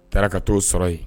A taara ka t'o sɔrɔ yen